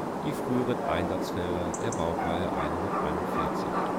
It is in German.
die früheren Einsatzfelder der Baureihe 141